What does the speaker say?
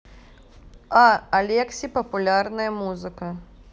а алекси популярная музыка